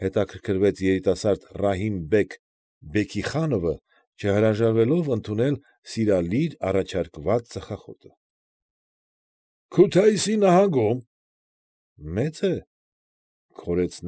Հետաքրքրվեց երիտասարդ Ռահիմ֊բեգ Բեքիխանովը, չհրաժարվելով ընդունել սիրալիր առաջարկված ծխախոտը։ ֊ Քութայիսի նահանգում։ ֊ Մե՞ծ է,֊ քորեց։